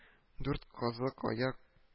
Дүрт казык-аяк